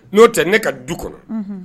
N'o tɛ ne ka du kɔnɔ. Unhun.